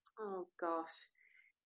O gosh.